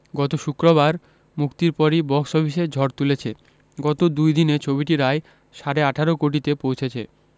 গত শুক্রবার মুক্তির পরই বক্স অফিসে ঝড় তুলেছে গত দুই দিনে ছবিটির আয় সাড়ে ১৮ কোটিতে পৌঁছেছে